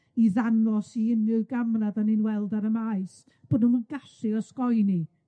i ddangos i unryw gamra 'dan ni'n weld ar y maes, bod nhw'm yn gallu osgoi ni.